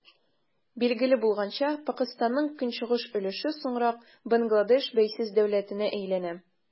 Билгеле булганча, Пакыстанның көнчыгыш өлеше соңрак Бангладеш бәйсез дәүләтенә әйләнә.